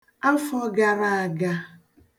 afọ̀ gāra àga